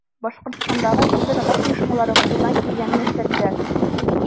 Башкортстандагы җирле татар оешмалары кулдан килгәнне эшләделәр.